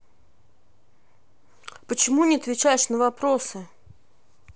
почему не отвечаешь на вопросы